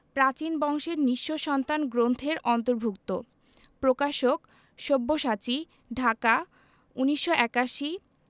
প্রাচীন বংশের নিঃস্ব সন্তান গ্রন্থের অন্তর্ভুক্ত প্রকাশক সব্যসাচী ঢাকা ১৯৮১